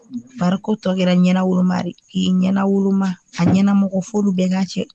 Baro tɔ kɛra ɲɛna wolori k'i ɲɛna wolo a ɲɛnamɔgɔ fo bɛɛ' cɛ